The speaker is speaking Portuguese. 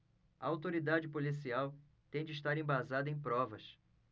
a autoridade policial tem de estar embasada em provas